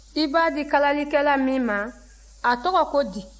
i b'a di kalalikɛla min ma a tɔgɔ ko di